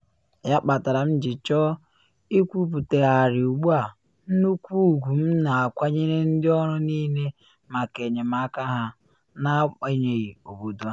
Ya kpatara m ji chọọ ikwuputegharị ugbu a nnukwu ugwu m na akwanyere ndị ọrụ niile maka enyemaka ha, agbanyeghị obodo ha.